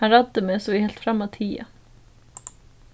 hann ræddi meg so eg helt fram at tiga